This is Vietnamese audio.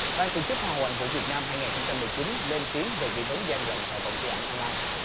ban tổ chức hoa hậu hoàn vũ việt nam hai ngàn không trăm mười chín lên tiếng về nghi vấn gian lận tại vòng thi ảnh on lai